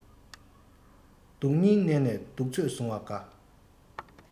སྡུག སྙིང མནན ནས སྡུག ཚོད བཟུང བ དགའ